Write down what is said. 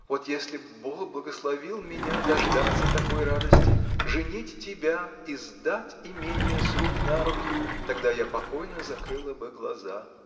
Вот если б Бог благословил меня дождаться такой радости: женить тебя и сдать имение с рук на руки, тогда я покойно закрыла бы глаза.